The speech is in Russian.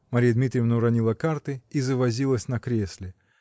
Марья Дмитриевна уронила карты и завозилась на кресле